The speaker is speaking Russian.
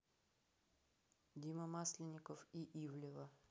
дима масленников и ивлеева